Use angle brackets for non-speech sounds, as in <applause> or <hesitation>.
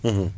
<hesitation> <hesitation>